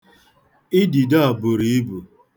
idide a buru ibu.